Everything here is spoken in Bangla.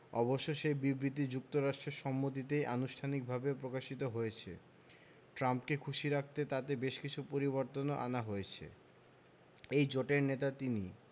অবশ্য সে বিবৃতি যুক্তরাষ্ট্রের সম্মতিতেই আনুষ্ঠানিকভাবে প্রকাশিত হয়েছে ট্রাম্পকে খুশি রাখতে তাতে বেশ কিছু পরিবর্তনও আনা হয়েছে এই জোটের নেতা তিনি